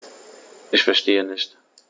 Ich verstehe nicht.